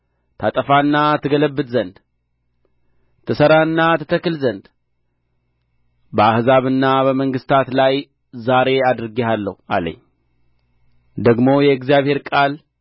ታጠፋና ትገለብጥ ዘንድ ትሠራና ትተክል ዘንድ በአሕዛብና በመንግሥታት ላይ ዛሬ አድርጌሃለሁ አለኝ ደግሞ የእግዚአብሔር ቃል